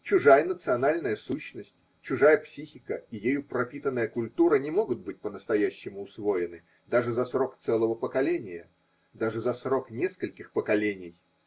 Чужая национальная сущность, чужая психика и ею пропитанная культура не могут быть по-настоящему усвоены даже за срок целого поколения, даже за срок нескольких поколений.